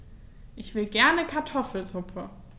Ich will gerne Kartoffelsuppe.